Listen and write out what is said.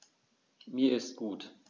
Mir ist gut.